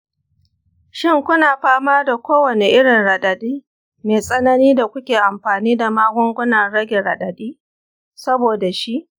shin ku na fama da kowane irin raɗaɗi mai tsanani da kuke amfani da magungunan rage raɗaɗi saboda shi?